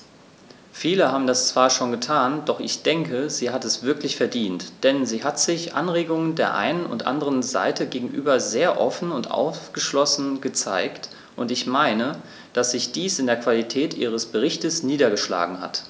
Viele haben das zwar schon getan, doch ich denke, sie hat es wirklich verdient, denn sie hat sich Anregungen der einen und anderen Seite gegenüber sehr offen und aufgeschlossen gezeigt, und ich meine, dass sich dies in der Qualität ihres Berichts niedergeschlagen hat.